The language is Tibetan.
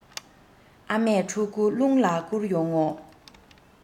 ཨ མས ཕྲུ གུ རླུང ལ བསྐུར ཡོང ངོ